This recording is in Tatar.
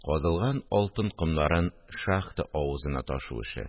Казылган алтын комнарын шахта авызына ташу эше